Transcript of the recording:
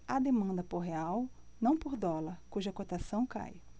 há demanda por real não por dólar cuja cotação cai